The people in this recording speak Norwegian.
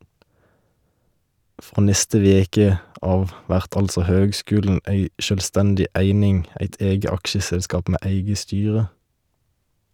Frå neste veke av vert altså høgskulen ei sjølvstendig eining , eit eige aksjeselskap med eige styre.